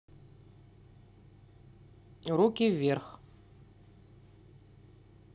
руки вверх